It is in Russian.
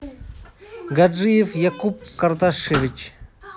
гаджиев якуб кардашевич